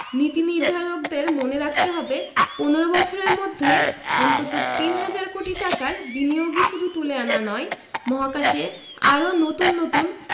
নীতিনির্ধারকদের মনে রাখতে হবে ১৫ বছরের মধ্যে অন্তত তিন হাজার কোটি টাকার বিনিয়োগই শুধু তুলে আনা নয় মহাকাশে আরও নতুন নতুন